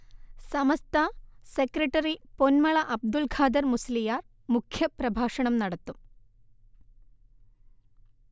സമസ്ത secretary Ponmala Abdulkhader Musliyar മുഖ്യപ്രഭാഷണം നടത്തും